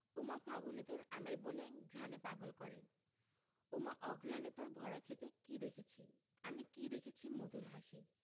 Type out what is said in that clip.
ওমা ফাগুনে তোর আমের বনে ঘ্রাণে পাগল করে ওমা অঘ্রানে তোর ভরা ক্ষেতে কী দেখেছি আমি কী দেখেছি মধুর হাসি